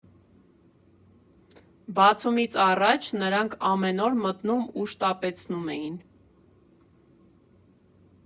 Բացումից առաջ նրանք ամեն օր մտնում ու շտապեցնում էին.